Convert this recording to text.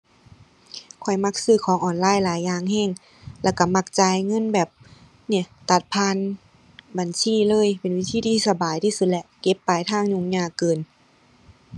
ข้อยมักซื้อของออนไลน์หลายอย่างแรง แล้วแรงมักจ่ายเงินแบบ เนี่ยตัดผ่านบัญชีเลย เป็นวิธีที่สบายที่สุดแล้ว เก็บปลายทางยุ่งยากเกิน